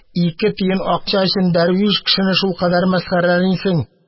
Ике тиен акча өчен дәрвиш кешене шулкадәр мәсхәрәлисең.